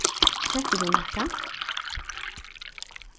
keypti tú nakað